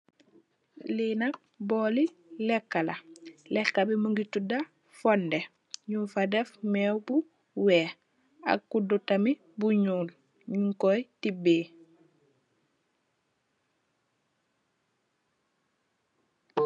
Lii nak bohli lekah la, lekah bii mungy tuda fondeh, njung fa deff meww bu wekh ak kudu bu njull, njungy koii tibehh.